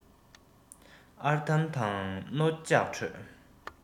ཨར དམ དང རྣོ ལྕགས ཁྲོད